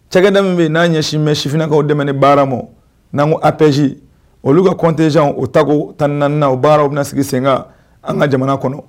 Cɛda bɛ n'a ɲɛsinmɛ sifinakaw dɛmɛ baara ma'an ko apz olu ka kɔntez jan u tago tan naaniina baaraw bɛna sigi sen kan an ka jamana kɔnɔ